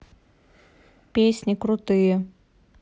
песни крутые